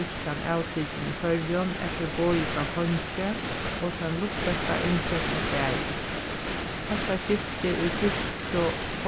kirkjan avtikin í føroyum eftir boði frá kongi og tann lutherska innsett í staðin hetta skiftið í kirkju